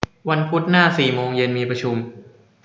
พุธหน้าสี่โมงเย็นมีประชุม